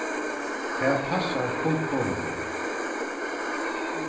tað passar fullkomiliga